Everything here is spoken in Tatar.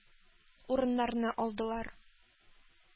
Урыннарны алдылар.